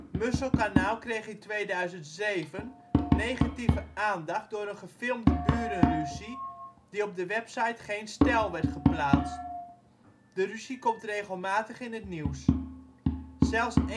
Musselkanaal kreeg in 2007 negatieve aandacht door een gefilmde burenruzie die op de website Geen Stijl werd geplaatst. De ruzie komt regelmatig in het nieuws. Zelfs